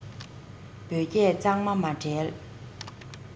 བོད སྐད གཙང མ མ བྲལ